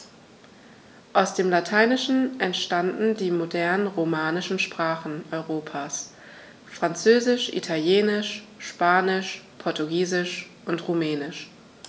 Aus dem Lateinischen entstanden die modernen „romanischen“ Sprachen Europas: Französisch, Italienisch, Spanisch, Portugiesisch und Rumänisch.